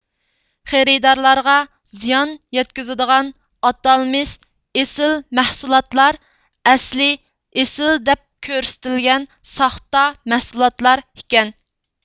خېرىدارلارغا زىيان يەتكۈزىدىغان ئاتالمىش ئېسىل مەھسۇلاتلار ئەسلىي ئېسىل دەپ كۆرسىتىلگەن ساختا مەھسۇلاتلار ئىكەن